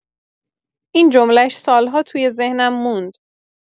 این جمله‌ش سال‌ها توی ذهنم موند.